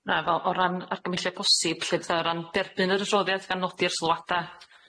Na, fel o ran argymhelliad posib lly, fatha o ran derbyn yr adroddiad gan nodi'r sylwada,